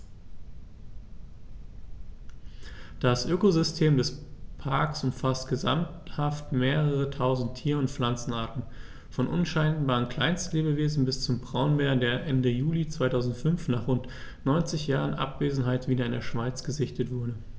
Das Ökosystem des Parks umfasst gesamthaft mehrere tausend Tier- und Pflanzenarten, von unscheinbaren Kleinstlebewesen bis zum Braunbär, der Ende Juli 2005, nach rund 90 Jahren Abwesenheit, wieder in der Schweiz gesichtet wurde.